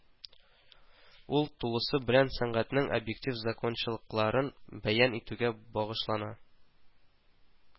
Ул тулысы белән сәнгатьнең объектив закончалыкларын бәян итүгә багышлана